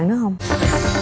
nữa không